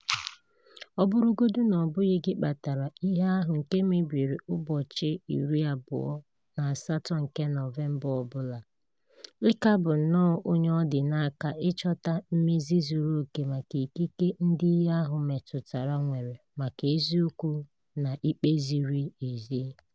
Ọ bụrụgodị na ọ bụghị gị kpatara ihe ahụ nke mebiri ụbọchị 28 nke Nọvemba ọ bụla, ị ka bụ nnọọ onye ọ dị n'aka ịchọta mmezi zuru oke maka ikike ndị ihe ahụ metụtara nwere maka eziokwu na ikpe ziri ezi ...